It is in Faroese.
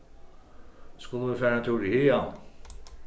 skulu vit fara ein túr í hagan